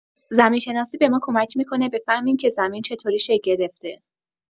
زمین‌شناسی به ما کمک می‌کنه بفهمیم که زمین چطوری شکل گرفته.